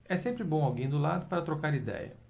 é sempre bom alguém do lado para trocar idéia